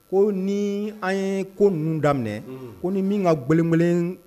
Ko ni an ye ko ninnu daminɛ ko ni min ka bɔkelen